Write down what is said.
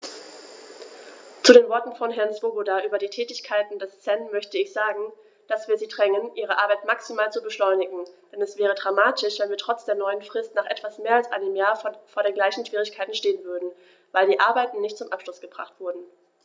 Zu den Worten von Herrn Swoboda über die Tätigkeit des CEN möchte ich sagen, dass wir sie drängen, ihre Arbeit maximal zu beschleunigen, denn es wäre dramatisch, wenn wir trotz der neuen Frist nach etwas mehr als einem Jahr vor den gleichen Schwierigkeiten stehen würden, weil die Arbeiten nicht zum Abschluss gebracht wurden.